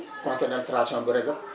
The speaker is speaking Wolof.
conseil d' administration bu Resop